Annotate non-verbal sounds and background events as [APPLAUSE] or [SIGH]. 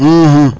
[HESITATION] [HESITATION]